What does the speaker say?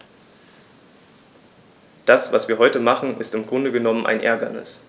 Das, was wir heute machen, ist im Grunde genommen ein Ärgernis.